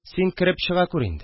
Син кереп чыга күр инде